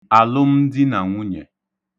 àlụmdinànwunyè